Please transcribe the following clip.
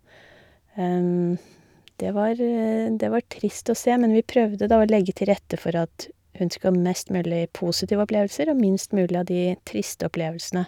det var Det var trist å se, men vi prøvde, da, å legge til rette for at hun skulle ha mest mulig positive opplevelser og minst mulig av de triste opplevelsene.